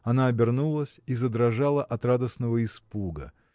она обернулась и задрожала от радостного испуга